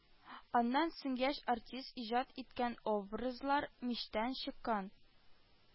Аннан соң яшь артист иҗат иткән об разлар мичтән чыккан